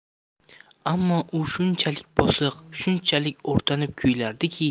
ammo u shunchalik bosiq shunchalik o'rtanib kuylardiki